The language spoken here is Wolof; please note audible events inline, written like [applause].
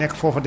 [hesitation] [hesitation]